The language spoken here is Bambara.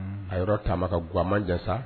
A yɔrɔ taama ka go a man jan sa